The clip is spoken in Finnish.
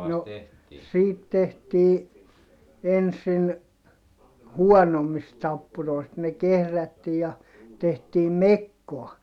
no siitä tehtiin ensin huonommista tappuroista ne kehrättiin ja tehtiin mekkoa